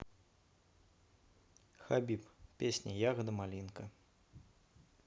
хабиб песня ягода малинка